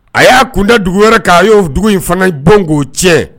A y'a kunda dugu wɛrɛ' a y'o dugu in fana bɔ k' oo tiɲɛ